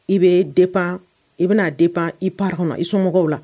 I bee dépend i bena dépend i parents w na i somɔgɔw la